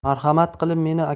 marhamat qilib meni